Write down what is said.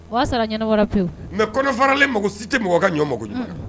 O y'a sɔr'a ɲɛnɛbɔra pewu mais kɔnɔ faralen mago si te mɔgɔ ka ɲɔ mɔkɔɲuman na unhun